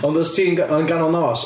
ond os ti'n g-... yn ganol nos...